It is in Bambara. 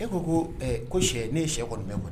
E ko ko ko sɛ ne ye sɛ kɔni bɛ kɔnɔ